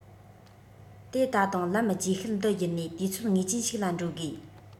དེ ད དུང ལམ རྗེས ཤུལ འདི བརྒྱུད ནས དུས ཚོད ངེས ཅན ཞིག ལ འགྲོ དགོས